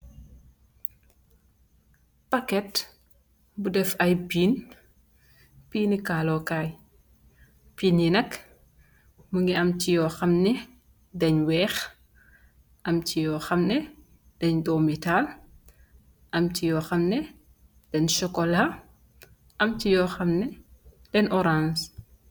Packet bu daf aye pin pinuh kalu kai, pin yi nak mungi am si yu kham neh danye weex am si yukham neh dange dume mi taal am si yu kham neh danye chocola am si yukham neh dange orange